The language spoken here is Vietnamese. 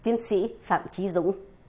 tiến sĩ phạm chí dũng